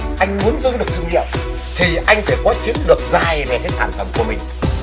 anh muốn giữ được thương hiệu thì anh phải có chiến lược dài về các sản phẩm của mình